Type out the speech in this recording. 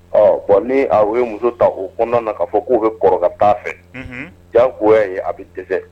Ɔ bɔn ni a ye muso ta u kɔnɔna na kaa fɔ k'o bɛ kɔrɔkɛta fɛ jan ko' ye a bɛ dɛsɛ